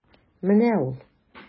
Менә ул.